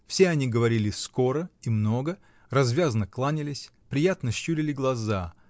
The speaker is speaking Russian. все они говорили скоро и много, развязно кланялись, приятно щурили глаза